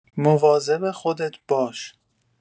مواظب خودت باش.